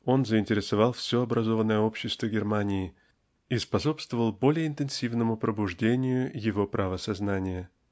он заинтересовал все образованное общество Германии и способствовав более интенсивному пробуждению его правосознания.